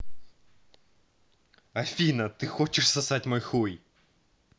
афина ты хочешь сосать мой хуй